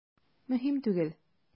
Мөһим түгел.